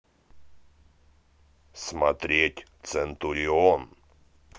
смотреть центурион